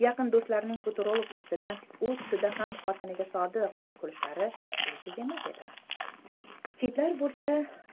yaqin do'stlarining futurolog ustidan u tushida ham xotiniga sodiq deb kulishlari bejiz emas edi